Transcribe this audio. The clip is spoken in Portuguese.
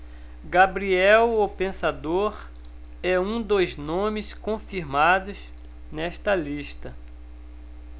gabriel o pensador é um dos nomes confirmados nesta lista